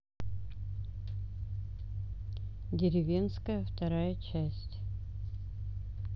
деревенская вторая часть